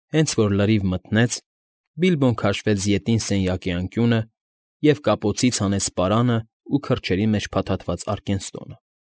Հենց որ լրիվ մթնեց, Բիլբոն քաշվեց ետին սենյակի անկյունը և կապոցից հանեց պարանն ու քրջերի մեջ փաթաթված Արկենստոնը։